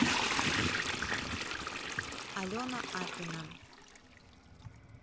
алена апина